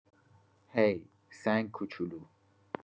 هی، سنگ کوچولو!